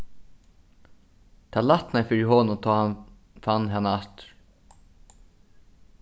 tað lætnaði fyri honum tá hann fann hana aftur